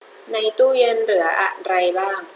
ในตู้เย็นเหลืออะไรบ้าง